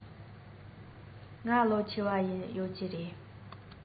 ང ལོ ཆེ བ ཡོད ཀྱི རེད